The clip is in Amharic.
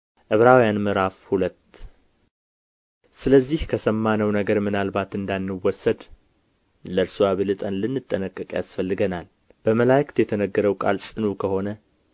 ዕብራውያን ምዕራፍ ሁለት ስለዚህ ከሰማነው ነገር ምናልባት እንዳንወሰድ ለእርሱ አብልጠን ልንጠነቀቅ ያስፈልገናል በመላእክት የተነገረው ቃል ጽኑ ከሆነ